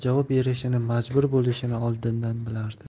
javob berishini majbur bo'lishini oldindan bilardi